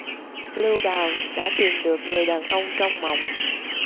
lưu đào đã tìm được người đàn ông trong mộng